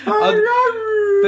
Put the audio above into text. I love you.